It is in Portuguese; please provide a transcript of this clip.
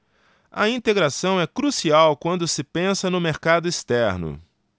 a integração é crucial quando se pensa no mercado externo